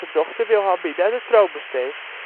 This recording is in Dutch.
dochter Wilhelmina de troon besteeg